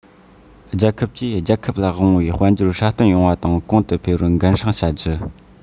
རྒྱལ ཁབ ཀྱིས རྒྱལ ཁབ ལ དབང བའི དཔལ འབྱོར སྲ བརྟན ཡོང བ དང གོང དུ འཕེལ བར འགན སྲུང བྱ རྒྱུ